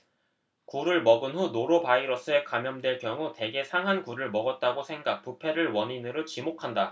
굴을 먹은 후 노로바이러스에 감염될 경우 대개 상한 굴을 먹었다고 생각 부패를 원인으로 지목한다